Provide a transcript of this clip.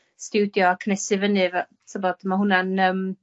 stiwdio a cnesu fynny efo, t'bod ma' hwnna'n yym